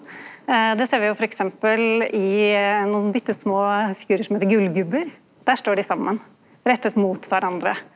det ser vi jo f.eks. i nokon bitte små figurar som heiter gullgubbar, der står dei saman, retta mot kvarandre.